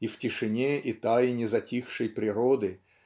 И в тишине и тайне затихшей природы